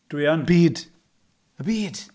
Dwi yn... Byd. Y byd!